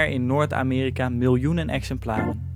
in Noord-Amerika miljoenen exemplaren